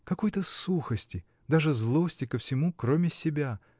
— Какой-то сухости, даже злости ко всему, кроме себя.